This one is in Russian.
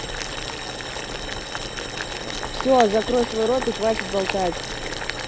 все закрой свой рот и хватит болтать